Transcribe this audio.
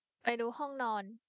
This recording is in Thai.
ไปดูห้องนอน